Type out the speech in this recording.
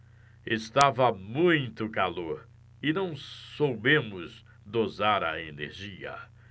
estava muito calor e não soubemos dosar a energia